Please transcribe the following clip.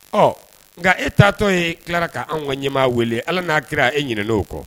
Ɔ nka e taatɔ ye tilara' anw ka ɲɛmaa weele ala n'a kɛra e ɲin'o kɔ